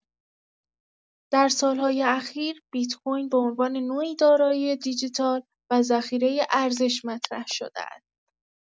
در سال‌های اخیر، بیت‌کوین به‌عنوان نوعی دارایی دیجیتال و ذخیره ارزش مطرح شده است.